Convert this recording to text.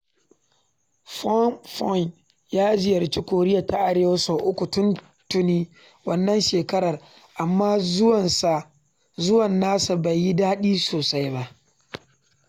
Pompeo ya ziyarci Koriya ta Arewa sau uku tun tuni wannan shekarar, amma zuwan nasa bai yi daɗi sosai ba.